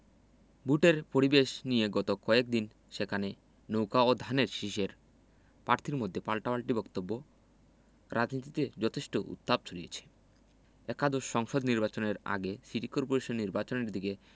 ভোটের পরিবেশ নিয়ে গত কয়েক দিনে সেখানে নৌকা ও ধানের শীষের প্রার্থীর মধ্যে পাল্টাপাল্টি বক্তব্য রাজনীতিতে যথেষ্ট উত্তাপ ছড়িয়েছে একাদশ সংসদ নির্বাচনের আগে সিটি করপোরেশন নির্বাচনের দিকে